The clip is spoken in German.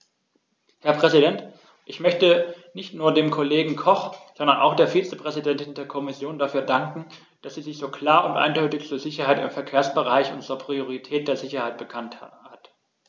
Herr Präsident, ich möchte nicht nur dem Kollegen Koch, sondern auch der Vizepräsidentin der Kommission dafür danken, dass sie sich so klar und eindeutig zur Sicherheit im Verkehrsbereich und zur Priorität der Sicherheit bekannt hat.